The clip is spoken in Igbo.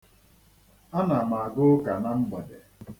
Ana m aga ụka na mgbede.